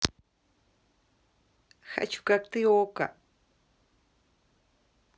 хочу как ты okko